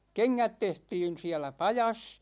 kengät tehtiin siellä pajassa